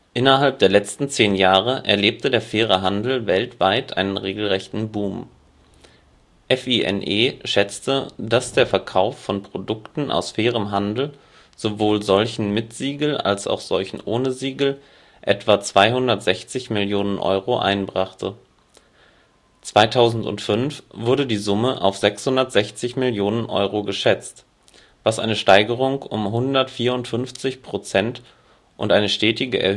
Innerhalb der letzten zehn Jahre erlebte der faire Handel weltweit einen regelrechten Boom. FINE schätzte, dass der Verkauf von Produkten aus fairem Handel, sowohl solchen mit Siegel als auch solchen ohne Siegel, etwa 260 Millionen Euro einbrachte. 2005 wurde die Summe auf 660 Millionen Euro geschätzt, was eine Steigerung um 154% und eine stetige